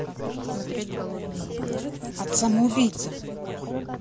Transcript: от самоубийца